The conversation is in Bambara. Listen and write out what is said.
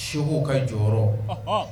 Sekow ka jɔyɔrɔ, ɔhɔ!